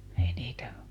ei niitä